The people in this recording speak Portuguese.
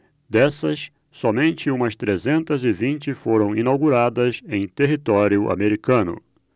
dessas somente umas trezentas e vinte foram inauguradas em território americano